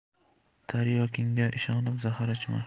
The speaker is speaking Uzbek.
taryokingga ishonib zahar ichma